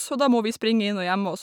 Så da må vi springe inn og gjemme oss.